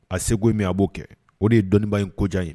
A seko ye min ye ,a b'o kɛ. O de ye dɔnniba in ko diya n ye.